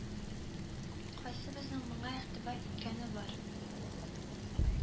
Кайсыбызның моңа игътибар иткәне бар